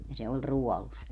ja se oli ruodussa